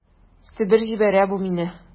Себер җибәрә бу мине...